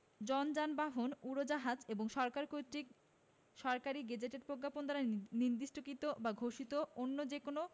জন যানবাহন উড়োজাহাজ এবং সরকার কর্তৃক সরকারী গেজেটে প্রজ্ঞাপন দ্বারা নির্দিষ্টকৃত বা ঘোষিত অন্য যে কোন